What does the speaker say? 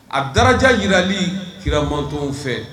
A dalaja jirali kiramant fɛ